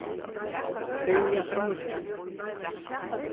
byrja av nýggjum